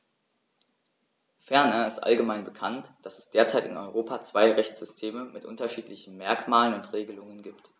Ferner ist allgemein bekannt, dass es derzeit in Europa zwei Rechtssysteme mit unterschiedlichen Merkmalen und Regelungen gibt.